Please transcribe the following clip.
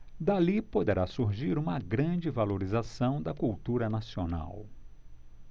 dali poderá surgir uma grande valorização da cultura nacional